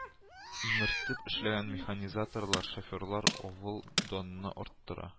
Имертеп эшләгән механизаторлар, шоферлар авыл данын арттыра